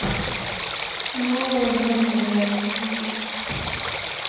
новый альбом миаги слушать